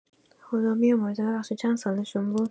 خدا بیامرزه، ببخشید چند سالشون بود؟